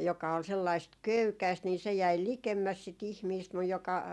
joka oli sellaista köykäistä niin se jäi likemmäs sitä ihmistä mutta joka